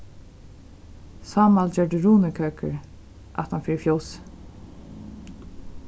sámal gjørdi runukakur aftan fyri fjósið